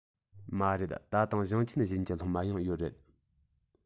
མ རེད ད དུང ཞིང ཆེན གཞན གྱི སློབ མ ཡང ཡོད རེད